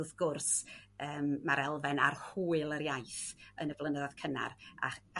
wrth gwrs yym ma'r elfen a'r hwyl yr iaith yn y flyneddedd cynnar a